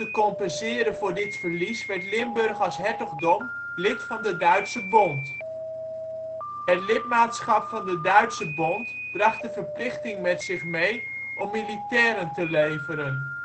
compenseren voor dit verlies werd Limburg als Hertogdom lid van de Duitse Bond. Het lidmaatschap van de Duitse Bond bracht de verplichting met zich mee om militairen te leveren